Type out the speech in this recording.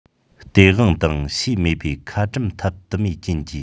སྟེས དབང དང ཤེས མེད པའི ཁ གྲམ ཐབས དུ མའི རྐྱེན གྱིས